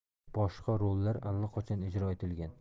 boshqa rollar allaqachon ijro etilgan